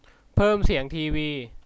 เพิ่มเสียงทีวี